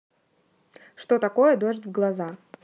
что такое дождь в глаза